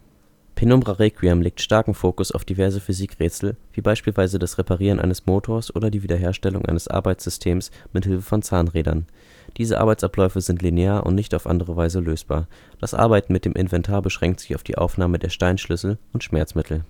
Penumbra: Requiem legt starken Fokus auf diverse Physik-Rätsel, wie beispielsweise das Reparieren eines Motors oder die Wiederherstellung eines Arbeitssystems mithilfe von Zahnrädern. Diese Arbeitsabläufe sind linear und nicht auf andere Weise lösbar. Das Arbeiten mit dem Inventar beschränkt sich auf die Aufnahme der Steinschlüssel und Schmerzmittel